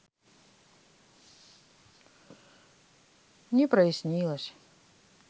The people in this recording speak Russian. не прояснилось